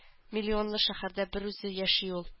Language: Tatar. Миллионлы шәһәрдә берүзе яши ул.